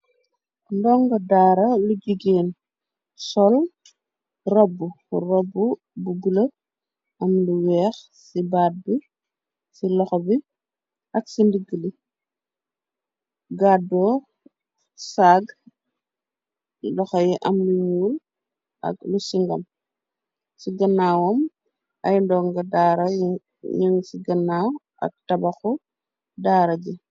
Ndongu daara yu jegain sol roubu roubu bu bulo am lu weex ci baat bi ci loxo bi ak ci ndigg li gàddoo sagg loxo yi am lu ñuul ak lu singam ci ganawam ay ndongu daara ñëng ci ganawam ak tabaxu daara ji.